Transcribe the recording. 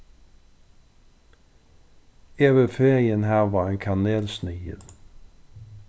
eg vil fegin hava ein kanelsnigil